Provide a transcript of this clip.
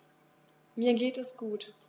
Mir geht es gut.